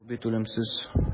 Ул бит үлемсез.